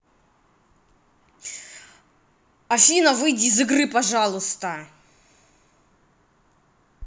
афина выйди из игры пожалуйста